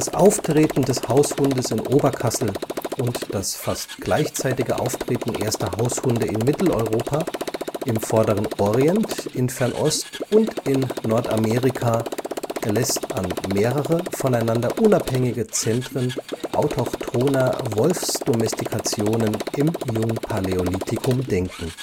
Auftreten des Haushundes in Oberkassel und das fast gleichzeitige Auftreten erster Haushunde in Mitteleuropa, im Vorderen Orient, in Fernost und in Nordamerika „ läßt an mehrere voneinander unabhängige Zentren autochthoner Wolfsdomestikationen im Jungpaläolithikum denken